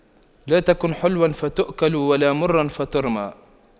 لا تكن حلواً فتؤكل ولا مراً فترمى